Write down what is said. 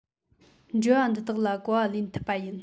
འབྲེལ བ འདི དག ལ གོ བ ལེན ཐུབ པ ཡིན